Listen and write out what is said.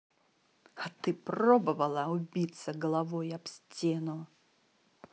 а ты пробовала убиться головой об стену